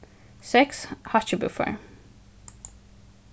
seks hakkibúffar